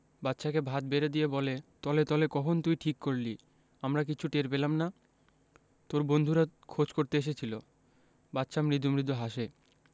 বাদশাকে ভাত বেড়ে দিয়ে বলে তলে তলে কখন তুই ঠিক করলি আমরা কিচ্ছু টের পেলাম না তোর বন্ধুরা খোঁজ করতে এসেছিলো বাদশা মৃদু মৃদু হাসে